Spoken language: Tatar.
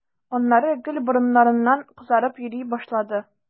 Аннары гел борыннарың кызарып йөри башлады.